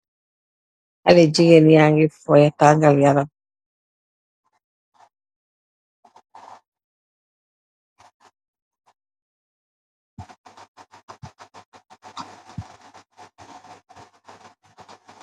Xalèh gigeen ya ngi foh tangal yaram.